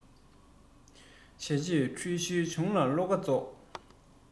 བྱས རྗེས དྲུད ཤུལ བྱུང ན བློ ཁ རྫོགས